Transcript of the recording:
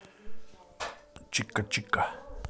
чика чика